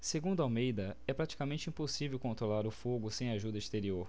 segundo almeida é praticamente impossível controlar o fogo sem ajuda exterior